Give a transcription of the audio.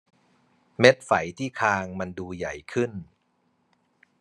เม็ดไฝที่คางมันดูใหญ่ขึ้น